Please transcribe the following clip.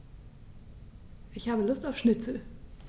Ich habe Lust auf Schnitzel.